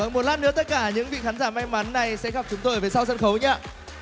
và một lát nữa tất cả những vị khán giả may mắn này sẽ gặp chúng tôi về sau sân khấu nhá